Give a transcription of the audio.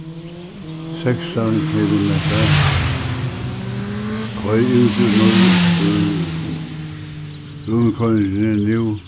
sekstan kilometrar koyr út úr rundkoyringini nú